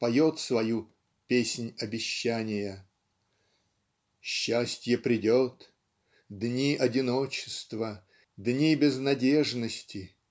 поет свою "песнь обещания" Счастье придет. Дни одиночества дни безнадежности